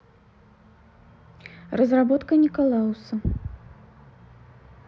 разработка николауса